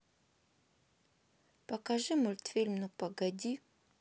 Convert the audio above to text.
покажи мультфильм ну погоди